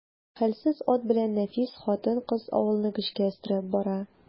Хәлсез ат белән нәфис хатын-кыз авылны көчкә өстерәп бара.